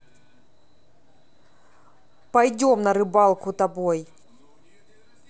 пойдем на рыбалку тобой